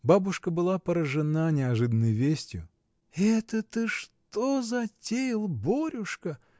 Бабушка была поражена неожиданною вестью. — Это ты что затеял, Борюшка?